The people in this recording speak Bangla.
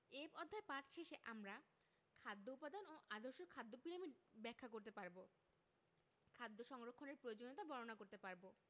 এ অধ্যায় পাঠ শেষে আমরা খাদ্য উপাদান ও আদর্শ খাদ্য পিরামিড ব্যাখ্যা করতে পারব খাদ্য সংরক্ষণের প্রয়োজনীয়তা বর্ণনা করতে পারব